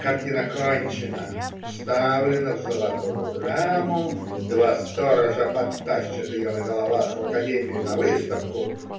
Картина кончена, вставлена в золотую раму, два сторожа потащат ее на головах в академию на выставку.